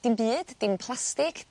dim byd dim plastig